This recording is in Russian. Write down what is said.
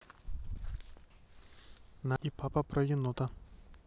настя и папа про енота